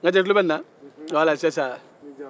n ka cɛ i tulo bɛ nin na